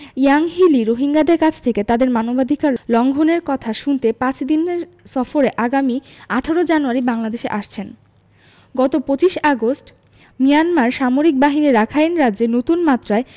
Yanghee Lee রোহিঙ্গাদের কাছ থেকে তাদের মানবাধিকার লঙ্ঘনের কথা শুনতে পাঁচ দিনের সফরে আগামী ১৮ জানুয়ারি বাংলাদেশে আসছেন গত ২৫ আগস্ট মিয়ানমার সামরিক বাহিনী রাখাইন রাজ্যে নতুন মাত্রায়